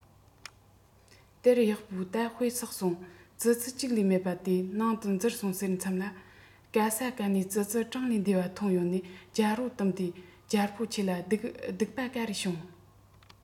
དེར གཡོག པོས ད དཔེ བསགས སོང ཙི ཙི གཅིག ལས མེད པ དེ ནང དུ འཛུལ སོང ཟེར མཚམས ལ ག ས ག ནས ཙི ཙི གྲངས ལས འདས པ ཐོན ཡོང ནས རྒྱལ པོ བཏུམས ཏེ རྒྱལ པོ ཁྱེད ལ སྡུག པ ག རེ བྱུང